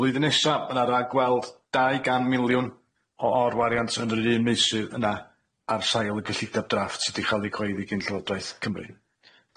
Flwyddyn nesa ma' na ragweld dau gan miliwn o orwariant yn yr un meysydd yna ar sail y gyllide drafft sy' di chael ei coeddi gin Llywodraeth Cymru,